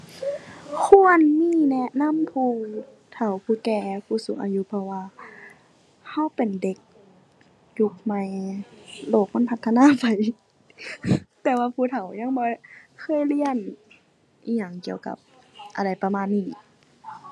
ควรมีแนะนำผู้เฒ่า ผู้แก่ ผู้สูงอายุ เพราะว่าเราเป็นเด็กยุคใหม่ โลกมันพัฒนาไป แต่ว่าผู้เฒ่ายังบ่เคยเรียนอิหยังเกี่ยวกับอะไรประมาณนี้